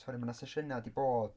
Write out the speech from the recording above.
Oherwydd mae 'na sesiynnau 'di bod.